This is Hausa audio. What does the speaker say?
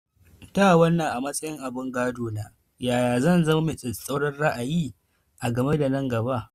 Da wannan a matsayin abun gado na, yaya zan zama mai tsatsauran ra’ayi a game da nan gaba ba?”